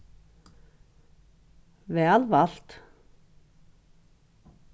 væl valt